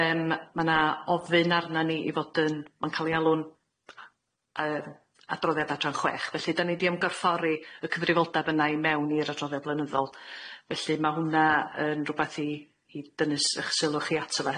yym ma' na ofyn arna ni i fod yn ma'n ca'l ei alw'n yy adroddiad adran chwech felly dan ni di ymgorffori y cyfrifoldab yna i mewn i'r adroddiad blynyddol felly ma' hwnna yn rwbath i i dynny- sylwch chi ato fo